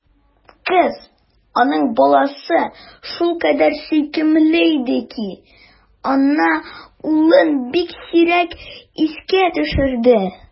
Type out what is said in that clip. Кыз, аның баласы, шулкадәр сөйкемле иде ки, Анна улын бик сирәк искә төшерде.